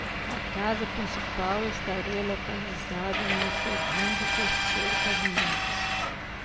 a casa principal estaria localizada no segundo e terceiro pavimentos